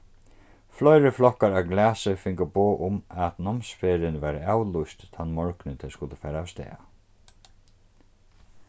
fleiri flokkar á glasi fingu boð um at námsferðin var avlýst tann morgunin tey skuldu fara avstað